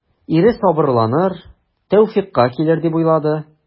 Ире сабырланыр, тәүфыйкка килер дип уйлады.